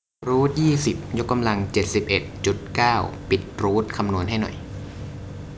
รูทยี่สิบยกกำลังเจ็ดสิบเอ็ดจุดเก้าปิดรูทคำนวณให้หน่อย